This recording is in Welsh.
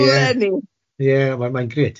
Dwlen i. Ie, wel mae'n grêt.